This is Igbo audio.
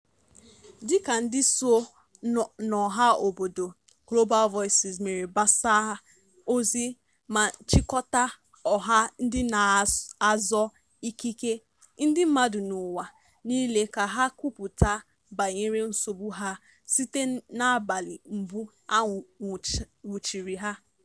Dị ka ndị so n'ọha obodo, Global Voices mere mgbasa ozi ma chịkọta ọha ndị na-azọ ikike ndị mmadụ n'ụwa niile ka ha kwupụta banyere nsogbu ha site n'abalị mbụ a nwụchiri ha.